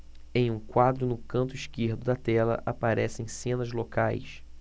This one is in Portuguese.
em um quadro no canto esquerdo da tela aparecem cenas locais